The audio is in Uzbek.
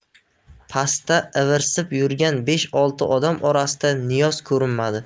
pastda ivirsib yurgan besh olti odam orasida niyoz ko'rinmadi